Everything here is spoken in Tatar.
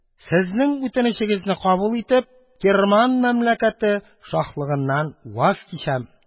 Сезнең үтенечегезне кабул итеп, Кирман мәмләкәте шаһлыгыннан ваз кичәм.